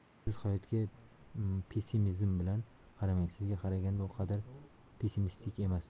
siz hayotga pessimizm bilan qaramang sizga qaraganda u qadar pessimistik emas